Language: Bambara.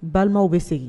Balimaw bɛ segin